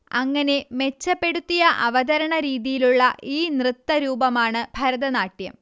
അങ്ങനെ മെച്ചപ്പെടുത്തിയ അവതരണരീതിയിലുള്ള ഈ നൃത്തരൂപമാണ് ഭരതനാട്യം